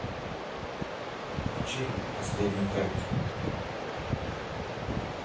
включи последний трек